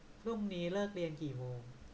พรุ่งนี้เลิกเรียนกี่โมง